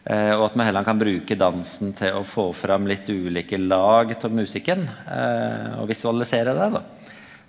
og at me heller kan bruke dansen til å få fram litt ulike lag av musikken og visualisere det da.